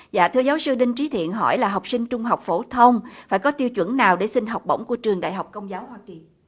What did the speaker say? dạ thưa giáo sư đinh trí thiện hỏi là học sinh trung học phổ thông phải có tiêu chuẩn nào để xin học bổng của trường đại học công giáo hoa kỳ